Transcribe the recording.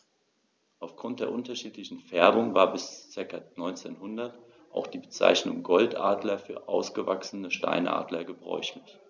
Auf Grund der unterschiedlichen Färbung war bis ca. 1900 auch die Bezeichnung Goldadler für ausgewachsene Steinadler gebräuchlich.